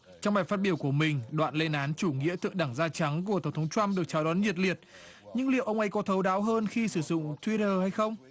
trong bài phát biểu của mình đoạn lên án chủ nghĩa thượng đẳng da trắng của tổng thống troăm được chào đón nhiệt liệt nhưng liệu ông ấy có thấu đáo hơn khi sử dụng truýt đờ hay không